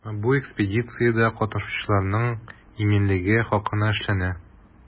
Бу экспедициядә катнашучыларның иминлеге хакына эшләнә.